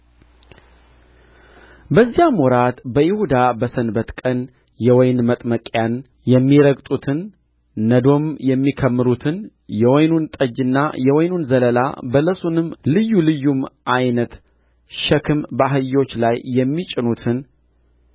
በዚያም ወራት በይሁዳ በሰንበት ቀን የወይን መጥመቂያን የሚረግጡትን ነዶም የሚከመሩትን የወይኑን ጠጅና የወይኑን ዘለላ በለሱንም ልዩ ልዩም ዓይነት ሸክም በአህዮች ላይ የሚጭኑትን